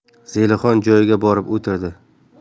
zelixon joyiga borib o'tirdi